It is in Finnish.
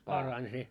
parani se